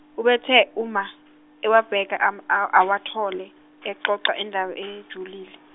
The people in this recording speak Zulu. ubethi uma ewabheka am- a- awathole, exoxa indaba ejulile.